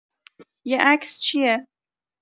یه عکس چیه